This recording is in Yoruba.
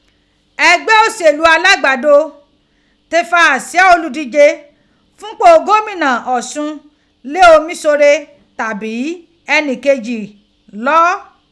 Ẹgbẹ oṣelu Alágbàdo tii fa asia oludije fun ipo gomina Ọṣun le Omiṣore, tabi ẹnikẹni lọọ